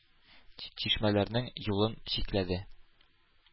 Чишмәләрнең юлын чикләде,